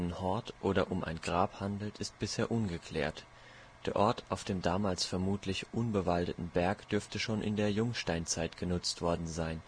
Hort oder um ein Grab handelt, ist bisher ungeklärt. Der Ort auf dem damals vermutlich unbewaldeten Berg dürfte schon in der Jungsteinzeit genutzt worden sein